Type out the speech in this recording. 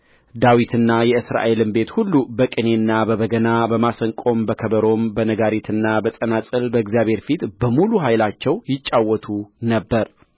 ዳዊትና የእስራኤልም ቤት ሁሉ በቅኔና በበገና በመሰንቆም በከበሮም በነጋሪትና በጸናጽል በእግዚአብሔር ፊት በሙሉ ኃይላቸው ይጫወቱ ነበር